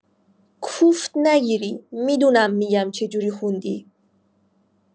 کوفت نگیری می‌دونم می‌گم چجوری خوندی